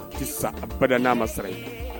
Tɛ a bada n'a ma sara ye